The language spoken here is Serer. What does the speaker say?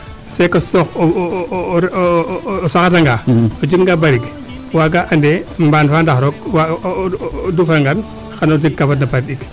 c' est que o saxada nga o jega nga barik waaga ande mbaan fa ndax roog o duufa ngan xano jeg kaa farna parik ɗik